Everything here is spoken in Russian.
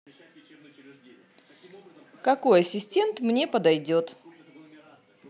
какой ассистент мне подойдет